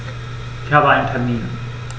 Ich habe einen Termin.